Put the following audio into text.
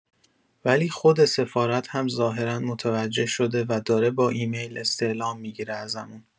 ولی خود سفارت هم ظاهرا متوجه شده و داره با ایمیل استعلام می‌گیره ازمون.